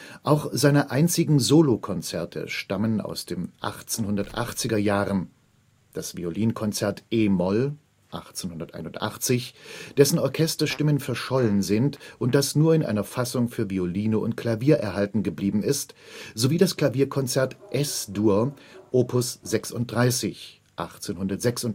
Auch seine einzigen Solokonzerte stammen aus den 1880er Jahren: das Violinkonzert e-Moll (1881), dessen Orchesterstimmen verschollen sind und das nur in einer Fassung für Violine und Klavier erhalten geblieben ist sowie das Klavierkonzert Es-Dur op. 36 (1886